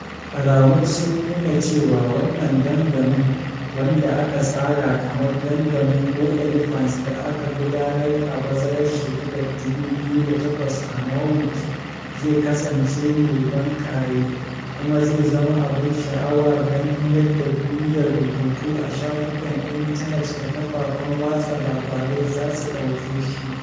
Alamu sun nuna cewa wannan gangamin — wanda aka tsara kamar gangamin Go Elephants da aka gudanar a bazarar shekarar 2008 a Norwich — zai kasance mai ban ƙaye, kuma zai zama abin sha'awa ganin yadda duniyar rubutu a shafukan intanet da kafafen watsa labarai za su ɗauke shi.